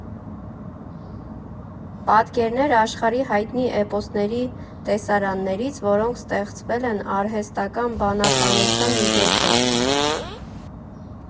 Պատկերներ աշխարհի հայտնի էպոսների տեսարաններից, որոնք ստեղծվել են արհեստական բանականության միջոցով։